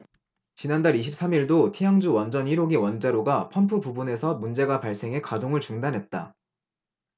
지난달 이십 삼 일도 티앙주 원전 일 호기 원자로가 펌프 부분에서 문제가 발생해 가동을 중단했다